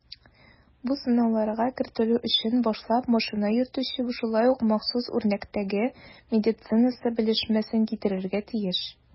Бу сынауларга кертелү өчен башлап машина йөртүче шулай ук махсус үрнәктәге медицинасы белешмәсен китерергә тиеш.